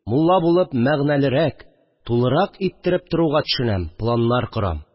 Мулла булып, мәгънәлерәк, тулырак иттереп торуга төшенәм